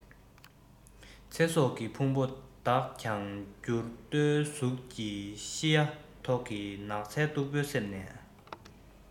ཚེ སྲོག གི ཕུང པོ དག ཀྱང འགྱུར རྡོའི གཟུགས ཀྱིས ཤི ཡ ཐོག གི ནགས ཚལ སྟུག པོའི གསེབ ནས